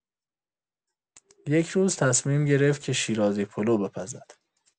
یک روز، تصمیم گرفت که شیرازی‌پلو بپزد.